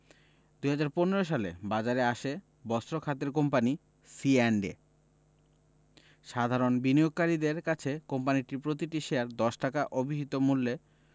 ২০১৫ সালে বাজারে আসে বস্ত্র খাতের কোম্পানি সিঅ্যান্ডএ সাধারণ বিনিয়োগকারীদের কাছে কোম্পানিটি প্রতিটি শেয়ার ১০ টাকা অভিহিত মূল্যে